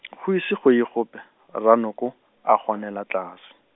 go ise go ye gope, Rranoko, a gonela tlase.